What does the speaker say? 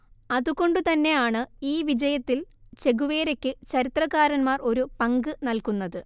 അതുകൊണ്ടുതന്നെയാണ് ഈ വിജയത്തിൽ ചെഗുവേരയ്ക്ക് ചരിത്രകാരന്മാർ ഒരു പങ്ക് നല്കുന്നത്